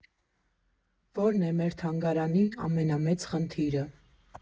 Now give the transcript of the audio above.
Ո՞րն է մեր թանգարանների ամենամեծ խնդիրը։